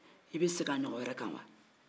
i bi segin a ɲɔgɔn wɛrɛ kan wa